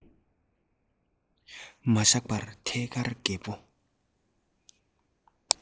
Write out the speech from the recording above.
མ བཞག པར ཐད ཀར རྒད པོ